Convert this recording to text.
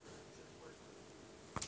песня мияги там каравелла